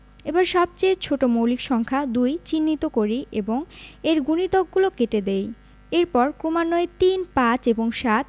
এবার সবচেয়ে ছোট মৌলিক সংখ্যা ২ চিহ্নিত করি এবং এর গুণিতকগলো কেটে দেই এরপর ক্রমান্বয়ে ৩ ৫ এবং ৭